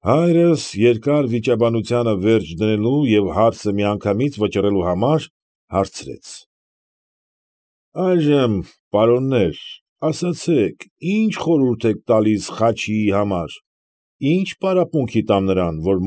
Հայրս երկար վիճաբանությանը վերջ դնելու և հարցը միանգամից վճռելու համար հարցրեց. ֊ Այժմ, պարոններ, ասացեք, ինչ խորհուրդ եք տալիս Խաչիի համար, ինչ պարապմունքի տամ նրան, որ։